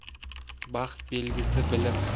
baxt belgisi bilim